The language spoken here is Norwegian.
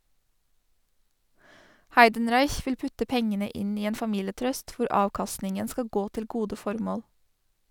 Heidenreich vil putte pengene inn i en familietrust, hvor avkastningen skal gå til gode formål.